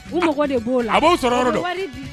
U mɔgɔ de b'o la a b'o sɔrɔ yɔrɔ dɔn, u bɛ wari di